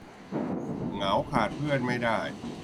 เหงาขาดเพื่อนไม่ได้